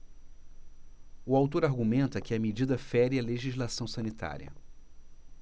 o autor argumenta que a medida fere a legislação sanitária